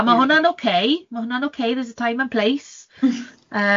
A ma' hwnna'n ocê, ma' hwnna'n ocê, there's a time and